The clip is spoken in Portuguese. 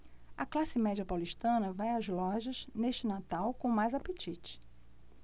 a classe média paulistana vai às lojas neste natal com mais apetite